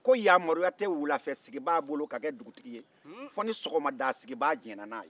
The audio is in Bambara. ko yamaruya tɛ wulafɛsigibaa bolo ka kɛ dugutigi ye fo ni sɔgɔmadasigibaa jɛnna n'a ye